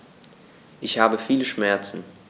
Ich habe viele Schmerzen.